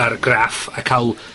ar graff a ca'l